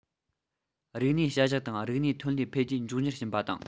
རིག གནས བྱ གཞག དང རིག གནས ཐོན ལས འཕེལ རྒྱས མགྱོགས མྱུར ཕྱིན པ དང